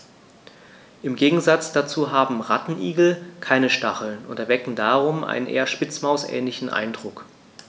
Im Gegensatz dazu haben Rattenigel keine Stacheln und erwecken darum einen eher Spitzmaus-ähnlichen Eindruck.